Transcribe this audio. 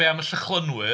Be am y llychlynwyr?